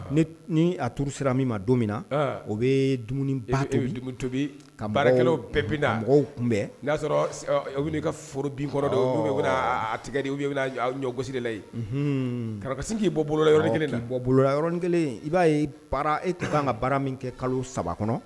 Ni ni a tuuru sera min ma don min na u bɛ dumuni tobi ka baarakɛlaw bɛɛ bɛda mɔgɔw kunbɛn y'a sɔrɔ u i ka foro bin kɔrɔ a tigɛ ɲɔgosi de la yen karatasi k'i bɔ bolola yɔrɔ bɔ bolola yɔrɔɔrɔnin kelen i b'a baara e ka kan ka baara min kɛ kalo saba kɔnɔ